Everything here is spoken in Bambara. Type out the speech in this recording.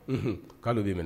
Unhun k'ale b'i